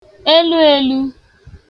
eluēlū